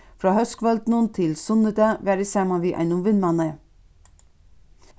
frá hóskvøldinum til sunnudag var eg saman við einum vinmanni